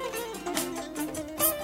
San yo